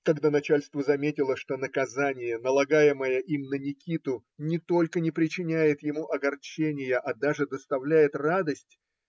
Когда начальство заметило, что наказание, налагаемое им на Никиту, не только не причиняет ему огорчения, а даже доставляет радость,